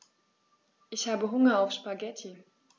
Ich habe Hunger auf Spaghetti.